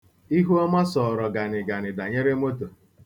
Ihuọma sọọrọ ganịganị danyere moto.